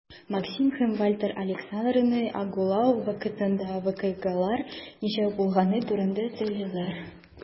Максим һәм Вальтер Александрны агулау вакытында вакыйгалар ничек булганы турында сөйлиләр.